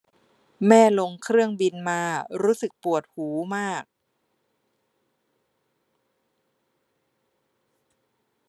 แม่ลงเครื่องบินมารู้สึกปวดหูมาก